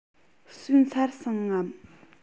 ཟོས ཚར སོང ངམ